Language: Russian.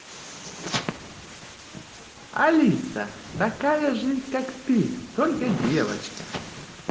алиса такая же как ты только девочка